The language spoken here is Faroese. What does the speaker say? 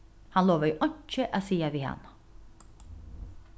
hann lovaði einki at siga við hana